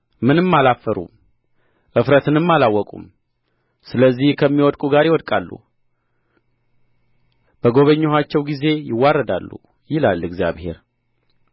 ምንም አላፈሩም እፍረትንም አላወቁም ስለዚህ ከሚወድቁ ጋር ይወድቃሉ በጐበኘኋቸው ጊዜ ይዋረዳሉ ይላል እግዚአብሔር